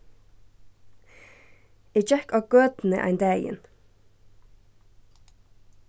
eg gekk á gøtuni ein dagin